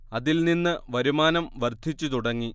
അതിൽ നിന്ന് വരുമാനം വർദ്ധിച്ചു തുടങ്ങി